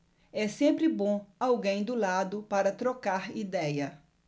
é sempre bom alguém do lado para trocar idéia